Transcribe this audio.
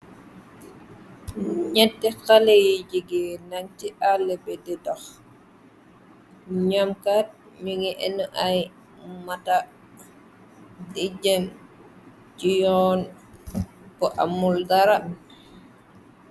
Ñetti xale yu jigeen nak ci alebi di dox, ñoomkat ñu ngi enu ay mata, di jem ci yoon bu amul dara.